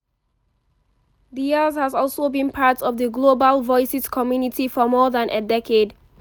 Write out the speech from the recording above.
Díaz has also been part of the Global Voices community for more than a decade.